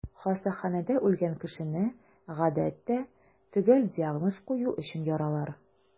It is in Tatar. Хастаханәдә үлгән кешене, гадәттә, төгәл диагноз кую өчен яралар.